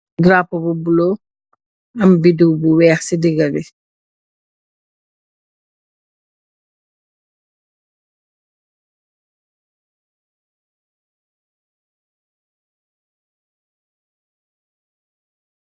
Darapóó bu bula am bidiw bu wèèx ci digga bi.